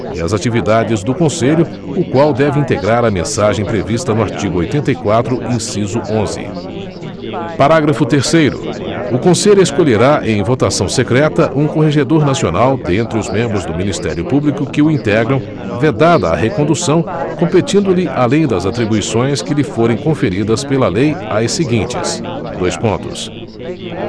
e as atividades do conselho o qual deve integrar a mensagem prevista no artigo oitenta e quatro inciso onze parágrafo terceiro o conselho escolherá em votação secreta um corregedor nacional dentre os membros do ministério público que o integram vedada a recondução competindo lhe além das atribuições que lhe forem conferidas pela lei as seguintes dois pontos